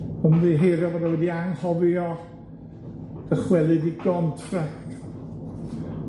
Ymddiheurio fod o wedi anghofio dychwelyd 'i gontract.